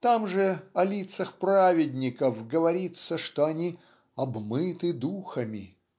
там же о лицах праведников говорится, что они "обмыты духами".